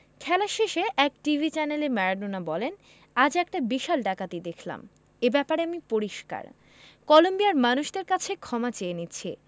খেলা শেষে এক টিভি চ্যানেলে ম্যারাডোনা বলেন আজ একটা বিশাল ডাকাতি দেখলাম এ ব্যাপারে আমি পরিষ্কার কলম্বিয়ার মানুষদের কাছে ক্ষমা চেয়ে নিচ্ছি